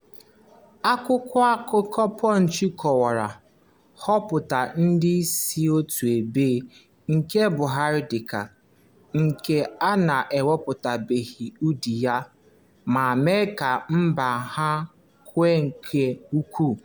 Akwụkwọ akụkọ Punch kọwara "nhọpụta ndị si otu ebe" nke Buhari dị ka "nke a na-enwetụbeghị ụdị ya" ma mee ka mba ahụ kewaa nke ukwuu.